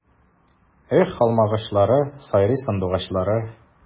Эх, алмагачлары, сайрый сандугачлары!